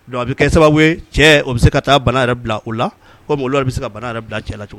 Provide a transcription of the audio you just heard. Donc a bɛ kɛ sababu ye cɛ o bɛ se ka taa bana yɛrɛ bila o la, komi olu yɛrɛ bɛ se ka bana yɛrɛ bila cɛ la cogo min!